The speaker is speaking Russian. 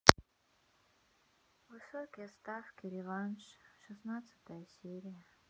высокие ставки реванш шестнадцатая серия